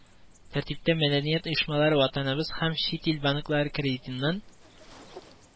Тәртиптә мәдәният оешмалары ватаныбыз һәм чит ил банклары кредитыннан